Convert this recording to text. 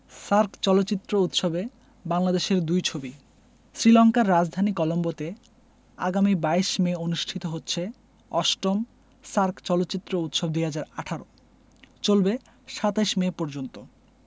SAARC চলচ্চিত্র উৎসবে বাংলাদেশের দুই ছবি শ্রীলংকার রাজধানী কলম্বোতে আগামী ২২ মে অনুষ্ঠিত হচ্ছে ৮ম সার্ক চলচ্চিত্র উৎসব ২০১৮ চলবে ২৭ মে পর্যন্ত